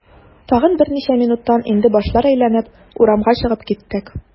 Тагын берничә минуттан инде башлар әйләнеп, урамга чыгып киттек.